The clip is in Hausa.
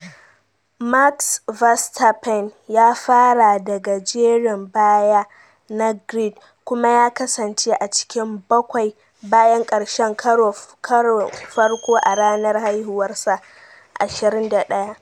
Max Verstappen ya fara daga jerin baya na grid kuma ya kasance a cikin bakwai bayan ƙarshen karon farko a ranar haihuwarsa 21.